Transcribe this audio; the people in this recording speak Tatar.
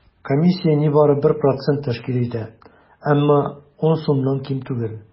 Комиссия нибары 1 процент тәшкил итә, әмма 10 сумнан ким түгел.